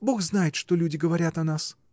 Бог знает, что люди говорят о нас.